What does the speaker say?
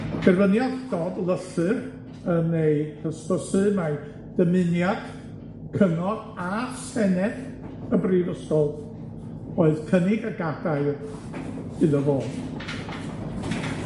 Derbyniodd Dodd lythyr yn ei hysbysu mai dymuniad cyngor a senedd y brifysgol oedd cynnig y gadair iddo fo.